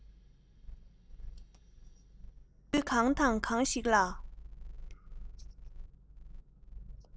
དེ དག ནས